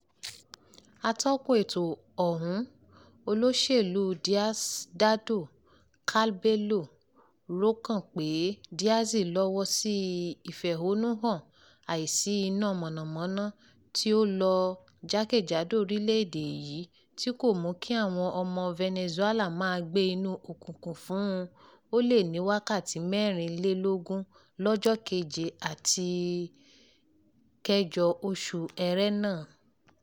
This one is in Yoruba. Atọ́kùn ètò ọ̀hún, olóṣèlú Diosdado Cabello, rò kàn pé Díaz lọ́wọ́ sí ìfẹ̀hónú hàn àìsí ináa mọ̀nàmọ̀nà tí ò lọ jákèjádò orílẹ̀ èdè èyí tí ó mú kí àwọn ọmọ Venezuela máa gbé nínú òkùnkùn fún ó lé ní wákàtí mẹ́rin lé lógún lọ́jọ́ 7 àti 8 Oṣù Ẹrẹ́nà